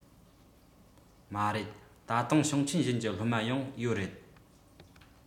མ རེད ད དུང ཞིང ཆེན གཞན གྱི སློབ མ ཡང ཡོད རེད